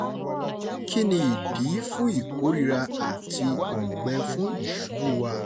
Kí ni ìdí fún ìkórìíra àti òǹgbẹ fún ìṣubúu wa?